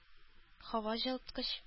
Һаваҗылыткыч